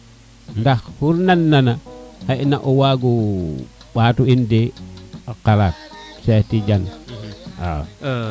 ndax oxu nana na o wago ɓato in de a qalaat Cheikh Tidiane waaw